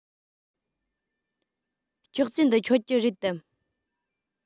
ཅོག ཙེ འདི ཁྱོད ཀྱི རེད དམ